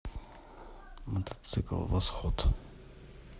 мотоцикл восход